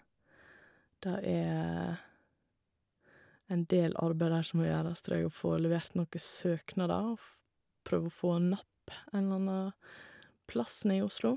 Det er en del arbeid der som må gjøres, tror jeg, å få levert noen søknader og f prøve å få napp en eller anna plass nede i Oslo.